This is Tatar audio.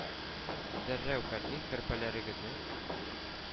Дәррәү кәрзин, көрпәләрегезне